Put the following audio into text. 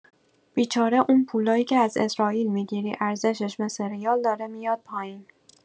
بیچاره اون پولایی که از اسرائیل می‌گیری ارزشش مثل ریال داره میاد پائین